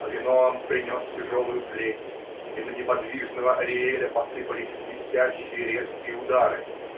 Авиноам принес тяжелую плеть, и на неподвижного Ариэля посыпались свистящие, резкие удары.